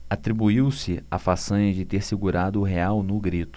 atribuiu-se a façanha de ter segurado o real no grito